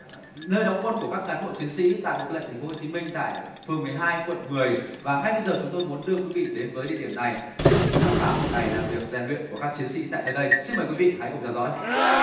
nơi đóng quân của các cán bộ chiến sĩ tại bộ tư lệnh thành phố hồ chí minh tại phường mười hai quận mười và ngay bây giờ chúng tôi muốn đưa quý vị đến với địa điểm này để cùng khám phá một ngày làm việc rèn luyện của các chiến sĩ tại nơi đây xin mời quý vị hãy cùng theo dõi